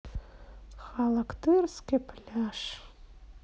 халактырский пляж